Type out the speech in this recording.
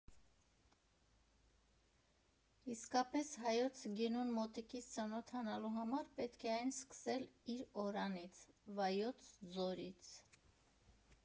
Իսկապես՝ հայոց գինուն մոտիկից ծանոթանալու համար պետք է այն սկսել իր օրրանից՝ Վայոց ձորից։